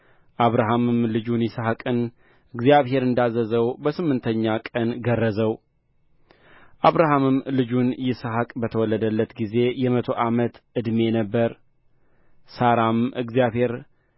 አብርሃምም ልጁን ይስሐቅን እግዚአብሔር እንዳዘዘው በስምንተኛ ቀን ገረዘው አብርሃምም ልጁ ይስሐቅ በተወለደለት ጊዜ የመቶ ዓመት ዕድሜ ነበረ ሣራም እግዚአብሔር